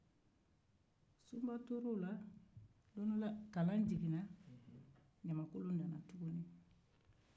don dɔ la kalan jiginnen ɲamnkolon nana tuguni